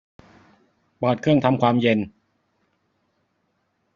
เปิดเครื่องทำความเย็น